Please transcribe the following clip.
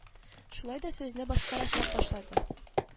Шулай да сүзне башкарачак башлады